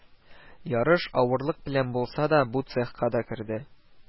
Ярыш авырлык белән булса да бу цехка да керде